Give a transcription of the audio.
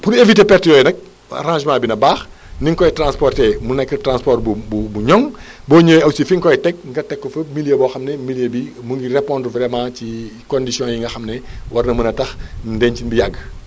pour éviter perte yooyu nag arrangement bi na baax ni ñu koy transporté mu nekk transport bu bu ñoŋ boo ñëwee aussi fi nga koy teg nga teg ko fa milieu boo xam ne milieu bi mu ngi répondre vraiment ci ci co, nditions yi nga xam ne war na mën a tax ndencin bi yàgg